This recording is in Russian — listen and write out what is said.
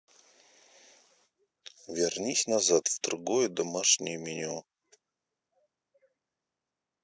вернись назад в другое домашнее меню